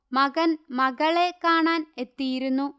മകൻ മകളെ കാണാൻഎത്തിയിരുന്നു